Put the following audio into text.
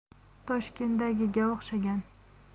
toshkentdagiga o'xshagan